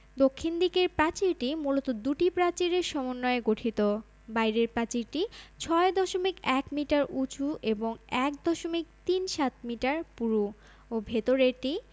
দক্ষিণ দিকের প্রাচীরটি মূলত দুটি প্রাচীরের সমন্বয়ে গঠিত বাইরের প্রাচীরটি ৬দশমিক ১ মিটার উঁচু এবং ১দশমিক তিন সাত মিটার পুরু ও ভেতরেরটি